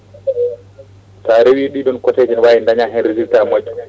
sa reewi ɗiɗon côté ji ne wawi daña hen résultat moƴƴo